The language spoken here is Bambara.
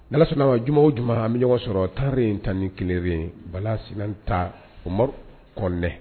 N'ala sɔnnama juma o juma an bɛ ɲɔgɔn sɔrɔ taari tan ni kelenre bala sinanta o mɔw kɔnɛ.